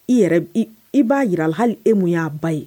I yɛrɛ i b'a jira hali e mun y'a ba ye